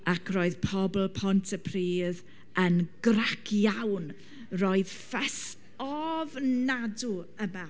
Ac roedd pobl Pontypridd yn grac iawn roedd ffys ofnadw' yma.